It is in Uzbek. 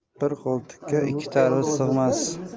bir qo'ltiqqa ikki tarvuz sig'mas